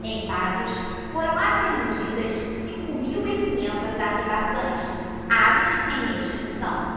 em patos foram apreendidas cinco mil e quinhentas arribaçãs aves em extinção